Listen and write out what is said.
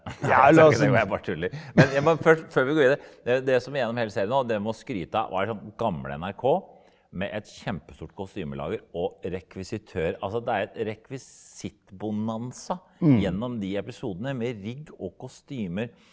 jeg bare tuller men jeg må først før vi går videre det som gjennom hele serien nå det må skryte var sånn gamle NRK med et kjempestort kostymelager og rekvisitør altså det er et rekvisittbonanza gjennom de episodene med rigg og kostymer.